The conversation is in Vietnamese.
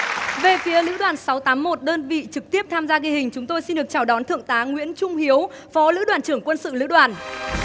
về phía lữ đoàn sáu tám một đơn vị trực tiếp tham gia ghi hình chúng tôi xin được chào đón thượng tá nguyễn trung hiếu phó lữ đoàn trưởng quân sự lữ đoàn